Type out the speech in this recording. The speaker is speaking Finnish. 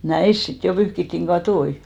näissä sitten jo pyyhittiin kattoja